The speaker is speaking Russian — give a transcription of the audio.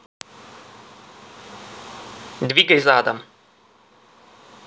двигай задом